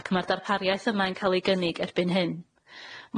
ac ma'r darpariath yma yn ca'l 'i gynnig erbyn hyn.